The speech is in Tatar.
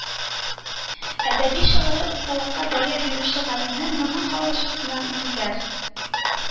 Әдәби, шигьри осталыкка бәя бирүче галимнәр моны халыкчанлык диләр